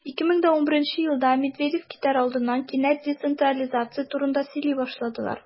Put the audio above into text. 2011 елда медведев китәр алдыннан кинәт децентрализация турында сөйли башлады.